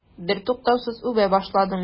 Бертуктаусыз үбә башладың.